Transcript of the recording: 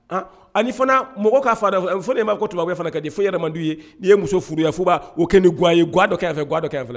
Ani fana mɔgɔ'a fɔ maa ko tumabakɛ fana ka foyi' ye n'i ye muso furuya fo b'ao kɛ nin gaa yedɔ kɛ fɛdɔ kɛ fɛ